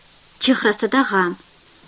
chehrasida g'am